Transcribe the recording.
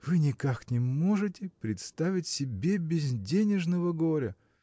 – Вы никак не можете представить себе безденежного горя!